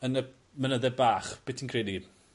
yn y mynydde bach? Be' ti'n credu?